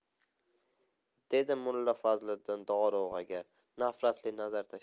dedi mulla fazliddin dorug'aga nafratli nazar tashlab